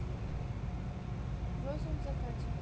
в розовом закате